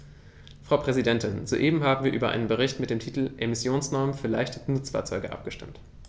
Frau Präsidentin, soeben haben wir über einen Bericht mit dem Titel "Emissionsnormen für leichte Nutzfahrzeuge" abgestimmt.